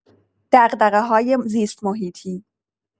دغدغه‌های زیست‌محیطی